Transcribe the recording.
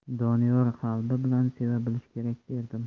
doniyor qalbi bilan seva bilish kerak derdim